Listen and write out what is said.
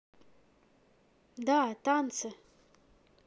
да танцы